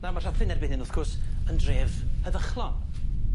Nawr ma' Rhythun erbyn hwn wrth gwrs yn dref heddychlon.